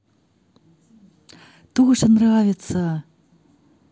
тоже нравится